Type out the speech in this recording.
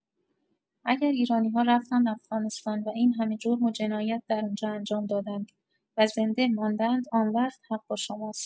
اگر ایرانی‌‌ها رفتند افغانستان و این همه جرم و جنایت در اونجا انجام دادند و زنده ماندند آنوقت حق با شماست